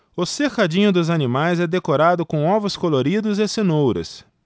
o cercadinho dos animais é decorado com ovos coloridos e cenouras